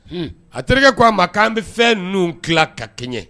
A terikɛ ko' a ma k'an bɛ fɛn n ninnu tila ka kɛɲɛ